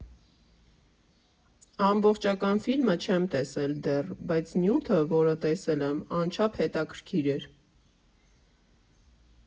Ամբողջական ֆիլմը չեմ տեսել դեռ, բայց նյութը, որը տեսել եմ, անչափ հետաքրքիր էր։